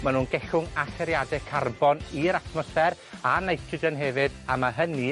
ma' nw'n gellwng allyriade carbon i'r atmosffer, a nitrogen hefyd, a ma' hynny